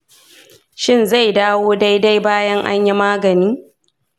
shin zai dawo daidai bayan anyi magani?